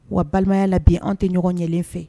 Wa balimaya la bi anw tɛ ɲɔgɔn ɲɛlen fɛ